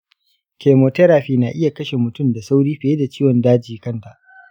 chemotherapy na iya kashe mutum da sauri fiye da ciwon daji kanta.